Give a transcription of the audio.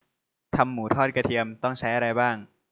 ทำหมูทอดกระเทียมต้องใช้อะไรบ้าง